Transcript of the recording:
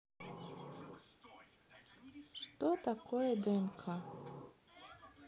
что такое днк